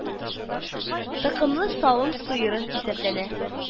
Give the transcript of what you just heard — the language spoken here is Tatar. Токымлы савым сыеры исәпләнә